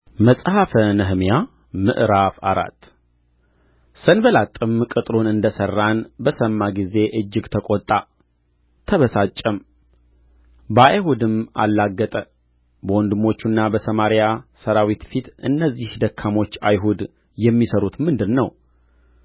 መጽሐፈ ነህምያ ምዕራፍ አራት ሰንባላጥም ቅጥሩን እንደ ሠራን በሰማ ጊዜ እጅግ ተቈጣ ተበሳጨም በአይሁድም አላገጠ በወንድሞቹና በሰማርያ ሠራዊትም ፊት እነዚህ ደካሞች አይሁድ የሚሠሩት ምንድር ነው